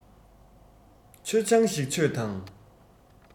མཆོད ཆང ཞིག མཆོད དང